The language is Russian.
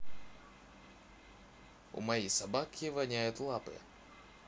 у моей собаки воняют лапы